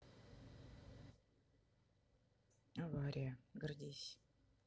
авария гордись